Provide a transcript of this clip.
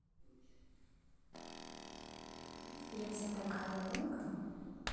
я вся такая умка